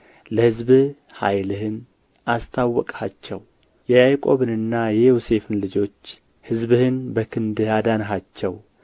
ለሕዝብህ ኃይልን አስታወቅሃቸው የያዕቆብንና የዮሴፍን ልጆች ሕዝብህን በክንድህ አዳንሃቸው